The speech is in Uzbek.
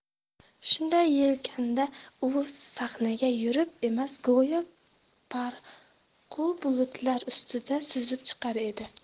shunday kezlarda u sahnaga yurib emas go'yo parqu bulutlar ustida suzib chiqar edi